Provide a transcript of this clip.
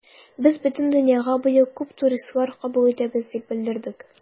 Без бөтен дөньяга быел күп туристлар кабул итәбез дип белдердек.